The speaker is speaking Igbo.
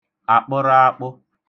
àkə̣raakpə̣